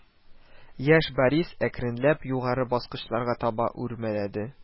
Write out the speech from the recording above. Яшь Борис әкренләп югары баскычларга таба үрмәләде